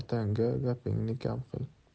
otangga gapingni kam qil